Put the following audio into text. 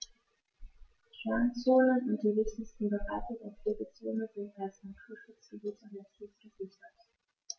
Kernzonen und die wichtigsten Bereiche der Pflegezone sind als Naturschutzgebiete rechtlich gesichert.